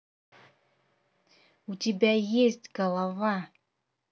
у тебя есть голова